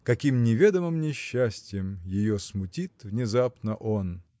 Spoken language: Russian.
Каким неведомым несчастьем Ее смутит внезапно он.